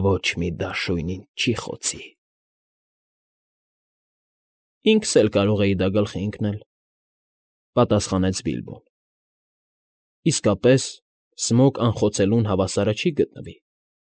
Ոչ մի դաշույն ինձ չի խոցի։ ֊ Ես ինքս էլ կարող էի դա գլխի ընկնել,֊ պատասխանեց Բիլբոն։֊ Իսկապես Սմոգ Անխոցելուն հավասարը չի գտնվի։